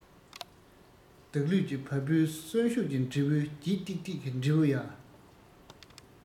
བདག ལུས ཀྱི བ སྤུའི གསོན ཤུགས ཀྱི འབྲས བུའི ལྗིད ཏིག ཏིག གི འབྲས བུ ཡ